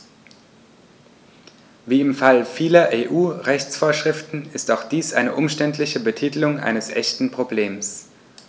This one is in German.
Wie im Fall vieler EU-Rechtsvorschriften ist auch dies eine umständliche Betitelung eines echten Problems.